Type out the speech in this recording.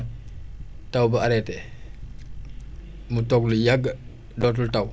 taw ba arrêté mu toog lu yàgg dootul taw